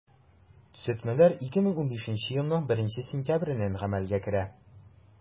Төзәтмәләр 2015 елның 1 сентябреннән гамәлгә керә.